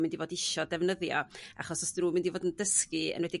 mynd i fod isio defnyddio achos os 'di n'w'n mynd i fod yn dysgu enwedig